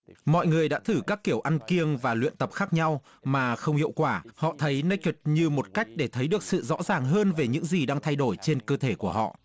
mọi người đã thử các kiểu ăn kiêng và luyện tập khác nhau mà không hiệu quả họ thấy nếch kịt như một cách để thấy được sự rõ ràng hơn về những gì đang thay đổi trên cơ thể của họ